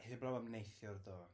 Heblaw am neithiwr ddo.